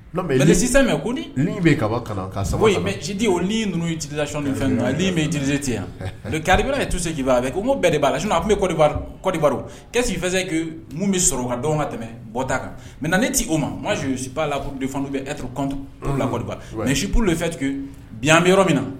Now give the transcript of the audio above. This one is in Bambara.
Sisan kaba sabu si ninnuu ci fɛn min jiriz tɛ yan kari bɛna tu se'' a bɛɛ b'a la sin tun bɛɔribase bɛ sɔrɔ ka ka tɛmɛ bɔta kan mɛ ne t' o ma makan la bɛ mɛ sip fɛn bi yan bɛ yɔrɔ min na